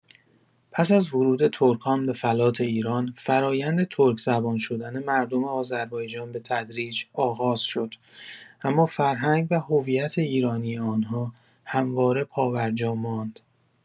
پس از ورود ترکان به فلات ایران، فرآیند ترک‌زبان شدن مردم آذربایجان به‌تدریج آغاز شد، اما فرهنگ و هویت ایرانی آن‌ها همواره پابرجا ماند.